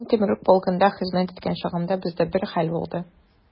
Мин Темрюк полкында хезмәт иткән чагымда, бездә бер хәл булды.